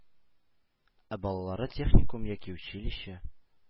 Ә балалары техникум яки училище